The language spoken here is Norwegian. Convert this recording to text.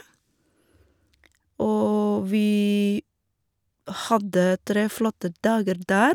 Og vi hadde tre flotte dager der.